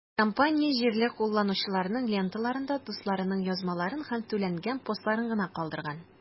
Компания җирле кулланучыларның ленталарында дусларының язмаларын һәм түләнгән постларны гына калдырган.